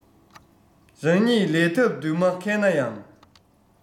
རང ཉིད ལས ཐབས འདུན མ མཁས ན ཡང